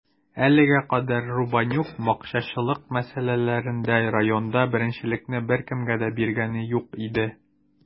Әлегә кадәр Рубанюк бакчачылык мәсьәләләрендә районда беренчелекне беркемгә дә биргәне юк иде.